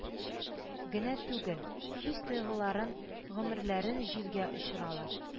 Генә түгел, хис-тойгыларын, гомерләрен җилгә очыралар